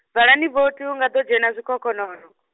valani vothi hu ngado dzhena zwikhokhonono.